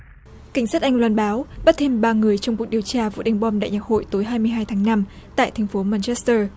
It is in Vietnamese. cảnh sát anh loan báo bắt thêm ba người trong cuộc điều tra vụ đánh bom đại nhạc hội tối hai mươi hai tháng năm tại thành phố man chét tơ